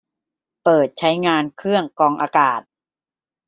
เปิดใช้งานเครื่องกรองอากาศ